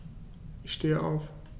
Ich stehe auf.